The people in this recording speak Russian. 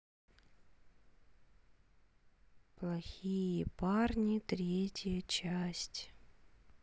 плохие парни третья часть